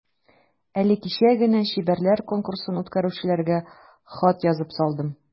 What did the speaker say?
Әле кичә генә чибәрләр конкурсын үткәрүчеләргә хат язып салдым.